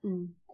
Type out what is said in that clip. Mm.